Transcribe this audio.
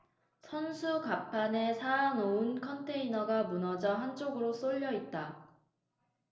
선수 갑판에 쌓아놓은 컨테이너가 무너져 한쪽으로 쏠려 있다